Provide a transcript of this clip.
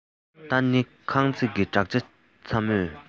ད ནི ཁང བརྩེགས ཀྱི བྲག ཅ ཚ མོས